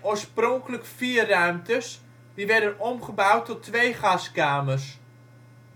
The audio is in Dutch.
oorspronkelijk vier ruimtes, die werden omgebouwd tot twee gaskamers.